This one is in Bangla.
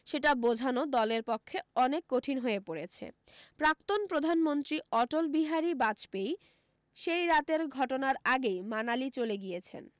সেটা বোঝানো দলের পক্ষে অনেক কঠিন হয়ে পড়েছে প্রাক্তন প্রধানমন্ত্রী অটলবিহারী বাজপেয়ী সেই রাতের ঘটনার আগেই মানালি চলে গিয়েছেন